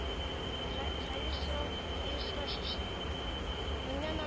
Хәер сорау хәер сорашучы